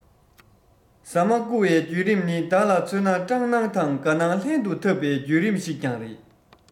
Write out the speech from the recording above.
ཟ མ བརྐུ བའི བརྒྱུད རིམ ནི བདག ལ མཚོན ན སྐྲག སྣང དང དགའ སྣང ལྷན དུ འཐབ པའི བརྒྱུད རིམ ཞིག ཀྱང རེད